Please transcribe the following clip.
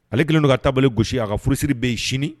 Ale kelen don ka tabali gosi a ka furusisiri bɛ ye sini